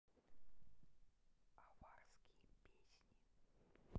аварские песни